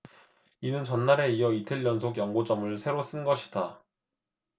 이는 전날에 이어 이틀 연속 연고점을 새로 쓴 것이다